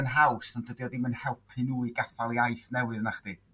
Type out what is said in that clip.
yn haws ond dydi o ddim yn helpu n'w i gaffael iaith newydd nachdi?